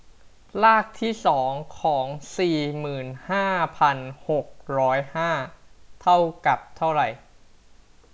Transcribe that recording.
รากที่สองของสี่หมื่นห้าพันหกร้อยห้าเท่ากับเท่าไหร่